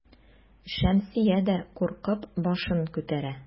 Шәмсия дә куркып башын күтәрә.